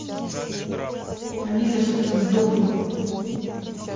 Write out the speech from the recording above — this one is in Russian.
алиса чтоб ты сдохла